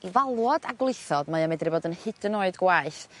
i falwod a gwlithodd mae o medru fod yn hyd yn oed gwaeth.